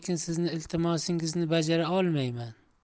sizni iltimosingizni bajara olmayman